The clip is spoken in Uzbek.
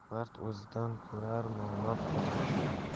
mard o'zidan ko'rar nomard o'zgadan